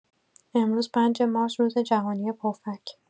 امروز ۵ مارس روز جهانی پفک!